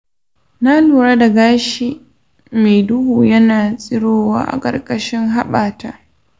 na lura da gashi mai duhu yana tsirowa a ƙarƙashin haɓata.